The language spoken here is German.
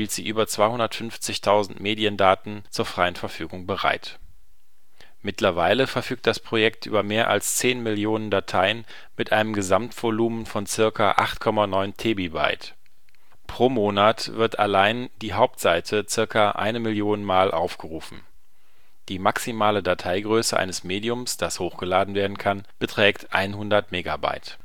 sie über 250.000 Mediendaten zur freien Verfügung bereit. Mittlerweile verfügt das Projekt über mehr als zehn Millionen Dateien. mit einem Gesamtvolumen von ca. 8,9 Tebibyte. Pro Monat wird allein die Hauptseite ca. 1 Million Mal aufgerufen. Die maximale Dateigröße eines Mediums, das hochgeladen werden kann, beträgt 100 Megabyte